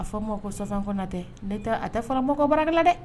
A fɔ n ma ko Safan Konatɛ a t’a fɔ n ma ko baarakɛlan dɛ